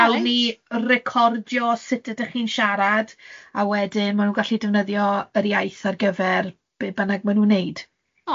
A wnawn ni recordio sut ydach chi'n siarad, a wedyn maen nhw'n gallu defnyddio yr iaith ar gyfer be' bynnag maen nhw'n 'neud.